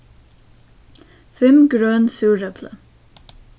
fimm grøn súrepli